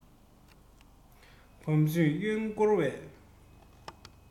བམ སྲིང གཡོན སྐོར བས